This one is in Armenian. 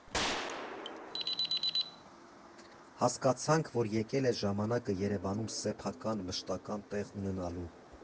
Հասկացանք, որ եկել է ժամանակը Երևանում սեփական, մշտական տեղ ունենալու։